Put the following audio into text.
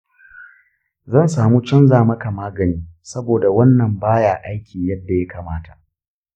zamu canza maka magani saboda wannan ba ya aiki yadda ya kamata.